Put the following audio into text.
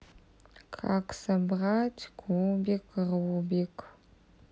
как собрать кубик рубик